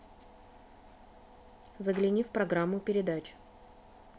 загляни в программу передач